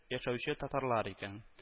Яшәүче татарлар икән